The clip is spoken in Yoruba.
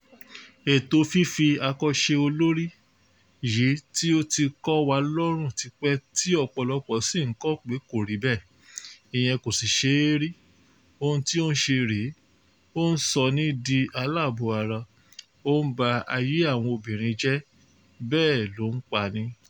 Ètò fífi akọ ṣe olórí yìí tí ó ti kọ́ wa lọ́rùn tipẹ́ tí ọ̀pọ̀lọpọ̀ sì ń kọ̀ pé kò rí bẹ́ẹ̀ – ìyẹn kò sì ṣe é rí – ohun tí ó ń ṣe rè é: ó ń sọni di aláàbọ̀-ara, ó ń ba ayé àwọn obìnrin jẹ́, bẹ́ẹ̀ ló ń pani.